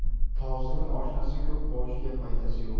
tozining oshnasi ko'p boshiga foydasi yo'q